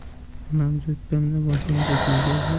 onam do'ppimni boshimga kiygazib